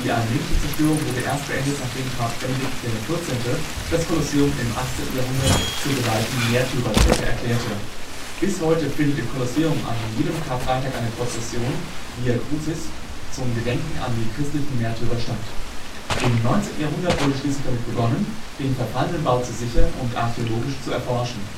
allmähliche Zerstörung wurde erst beendet, nachdem Papst Benedikt XIV. das Kolosseum im 18. Jahrhundert zur geweihten Märtyrer-Stätte erklärte. Bis heute findet im Kolosseum an jedem Karfreitag eine Prozession (Via Crucis) zum Gedenken an die christlichen Märtyrer statt. Im 19. Jahrhundert wurde schließlich damit begonnen, den verfallenen Bau zu sichern und archäologisch zu erforschen